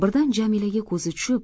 birdan jamilaga ko'zi tushib